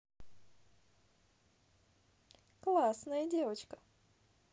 классная девочка